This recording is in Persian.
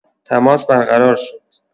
تماس برقرار شد.